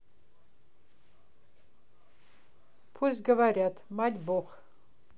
пусть говорят мать бог